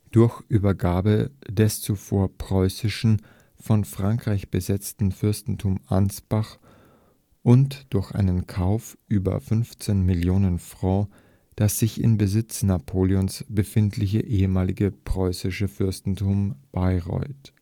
durch Übergabe das zuvor preußische, von Frankreich besetzte Fürstentum Ansbach und durch einen Kauf über 15 Millionen Francs das sich im Besitz Napoleons befindliche ehemals preußische Fürstentum Bayreuth